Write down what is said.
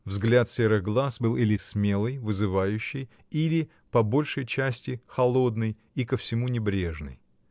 Взгляд серых глаз был или смелый, вызывающий, или по большей части холодный и ко всему небрежный.